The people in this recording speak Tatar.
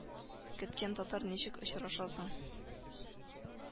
Көткән татар ничек очраша соң